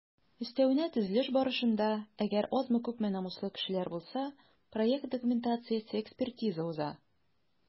Өстәвенә, төзелеш барышында - әгәр азмы-күпме намуслы кешеләр булса - проект документациясе экспертиза уза.